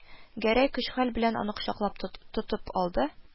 Гәрәй көч-хәл белән аны кочаклап тотып алды